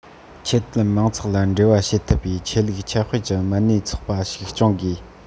ཆོས དད མང ཚོགས ལ འབྲེལ བ བྱེད ཐུབ པའི ཆོས ལུགས འཆད སྤེལ གྱི མི སྣའི ཚོགས པ ཞིག སྐྱོང དགོས